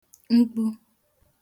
mkpū